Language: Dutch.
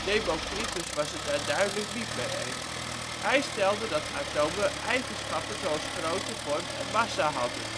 Democritus was het daar duidelijk niet mee eens. Hij stelde dat atomen eigenschappen zoals grootte, vorm en massa hadden